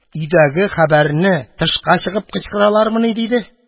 Өйдәге хәбәрне тышка чыгып кычкыралармыни?! – диде.